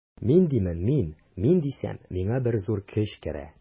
Мин димен мин, мин дисәм, миңа бер зур көч керә.